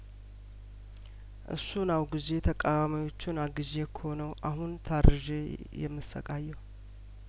እሱን አውግዤ ተቃዋሚዎቹን አግዤ እኮ ነው አሁን ታርዤ የምሰቃየው